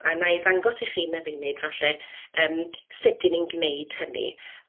A wna i ddangos i chi yn y funud falle yym sut 'y'n ni'n gwneud hynny.